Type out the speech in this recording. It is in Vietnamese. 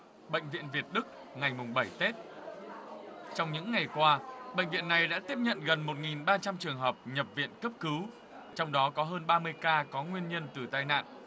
bệnh viện việt đức ngày mồng bảy tết trong những ngày qua bệnh viện này đã tiếp nhận gần một nghìn ba trăm trường hợp nhập viện cấp cứu trong đó có hơn ba mươi ca có nguyên nhân từ tai nạn